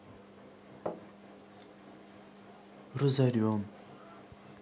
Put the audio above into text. разорен